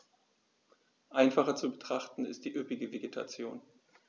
Einfacher zu betrachten ist die üppige Vegetation.